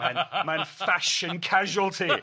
Mae'n mae'n fashion casualty.